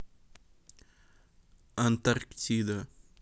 антарктида